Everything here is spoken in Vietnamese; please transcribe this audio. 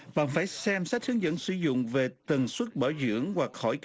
và phải xem xét hướng dẫn sử dụng về tần suất bảo dưỡng hoặc khỏi